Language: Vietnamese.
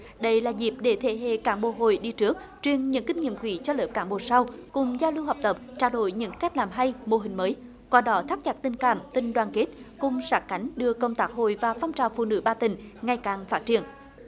đây là dịp để thế hệ cán bộ hội đi trước truyền những kinh nghiệm quý cho lớp cả một sau cùng giao lưu học tập trao đổi những cách làm hay mô hình mới qua đó thắt chặt tình cảm tình đoàn kết cùng sát cánh đưa công tác hội và phong trào phụ nữ ba tỉnh ngày càng phát triển